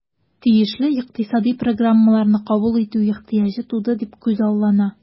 Тиешле икътисадый программаларны кабул итү ихтыяҗы туды дип күзаллана.